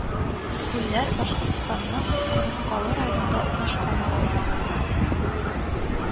Күлләр Башкортстанның Кырмыскалы районында урнашкан авыл